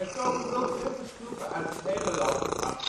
komen World Servants groepen uit het hele land op af